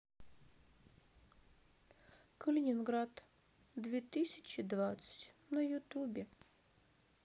калининград две тысячи двадцать на ютубе